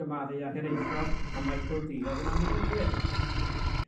gymaru â Hiraethog, a Michael Dee oedd yn Annibynwyr.